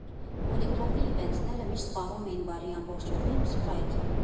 Պոլիգրաֆի իվենթները միշտ սպառում էին բարի ամբողջ օղին ու սփրայթը։